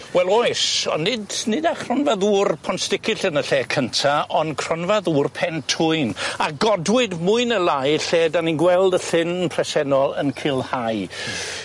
Wel oes on' nid nid â chronfa ddŵr Pont Sticyll yn y lle cynta on' cronfa ddŵr Pen Twyn a godwyd mwy ne' lai lle 'dan ni'n gweld y llyn presennol yn culhau.